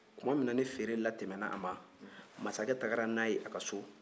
tuma min na ni feere latɛmɛnna a ma masakɛ taara n'a ye a ka so